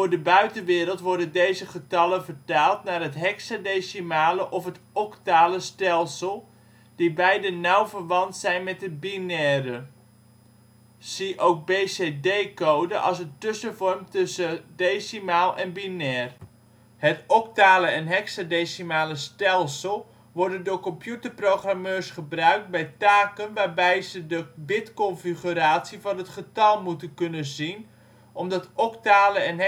de buitenwereld worden deze getallen vertaald naar het hexadecimale of het octale stelsel, die beide nauw verwant zijn met het binaire. Zie ook Bcd code, als een tussenvorm tussen decimaal en binair. Het octale en hexadecimale stelsel worden door computerprogrammeurs gebruikt bij taken waarbij ze de bitconfiguratie van het getal moeten kunnen zien, omdat octale en